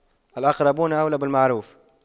الأقربون أولى بالمعروف